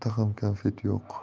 ham 'konfet' yo'q